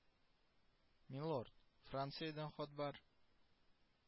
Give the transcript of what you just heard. Милорд, Франциядән хат бар